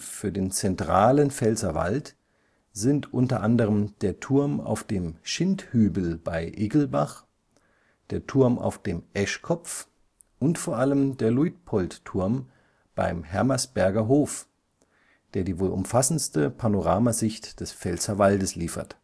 für den zentralen Pfälzerwald sind u. a. der Turm auf dem Schindhübel bei Iggelbach, der Turm auf dem Eschkopf und vor allem der Luitpoldturm beim Hermersbergerhof, der die wohl umfassendste Panoramasicht des Pfälzerwaldes liefert